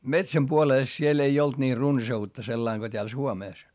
metsän puolesta siellä ei ollut niin runsautta sellainen kuin täällä Suomessa